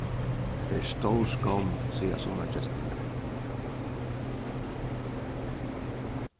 hetta er stór skomm siga summargestirnir